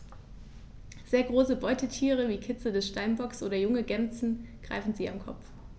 Sehr große Beutetiere wie Kitze des Steinbocks oder junge Gämsen greifen sie am Kopf.